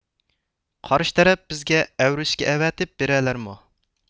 قارشى تەرەپ بىزگە ئەۋرىشكە ئەۋەتىپ بېرەلەرمۇ